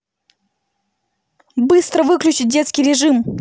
быстро выключить детский режим